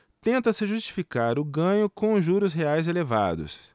tenta-se justificar o ganho com os juros reais elevados